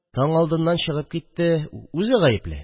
Таң алдыннан чыгып китте... Үзе гаепле